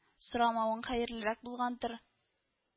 Сорамавың хәерлерәк булгандыр